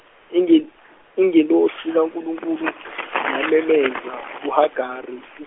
inge- ingelosi kaNkulunkulu yamemeza uHagari .